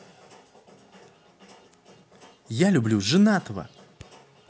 я люблю женатого